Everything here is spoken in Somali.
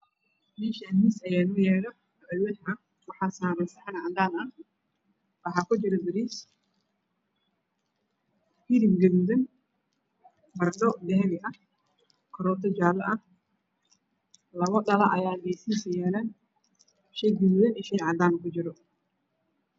Meshan mis ayanoyalo oAlwax ah waxa saran saxan cadan ah waxa kujira bariis hilibgadudan bardho dahabi ah karotojaleah Labodhalo ayaa gesihisa yaalan shey gadudan iyo sheycadan kujiyaan